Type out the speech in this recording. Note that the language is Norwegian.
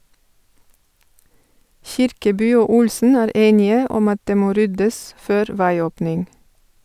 Kirkeby og Olsen er enige om at det må ryddes før veiåpning.